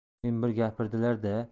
oyim bir gapirdilar da